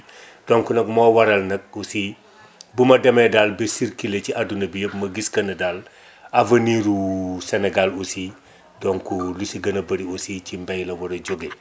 donc nag moo waral nag aussi bu ma demee dal ba circulé ci àdduna bi yëpp ma gis que ne daal avenir ru Sénégal aussi donc li si gën a bëri aussi ci mbay la war a jógee